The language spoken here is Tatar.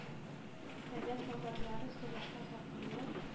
Совет солдатлары сугышта тапкырлык,